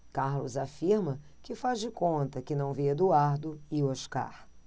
carlos afirma que faz de conta que não vê eduardo e oscar